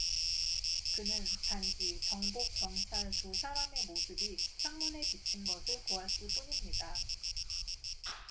그는 단지 정복 경찰 두 사람의 모습이 창문에 비친 것을 보았을 뿐입니다